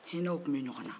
hinaw tun bɛ ɲɔgɔn na